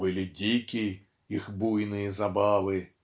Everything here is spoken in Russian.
были дики Их буйные забавы.